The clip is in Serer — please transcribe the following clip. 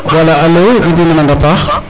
wala alo in way nanang a paax,